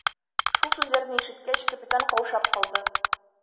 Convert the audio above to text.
Шул сүзләрне ишеткәч, капитан каушап калды.